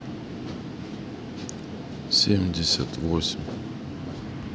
семьдесят восемь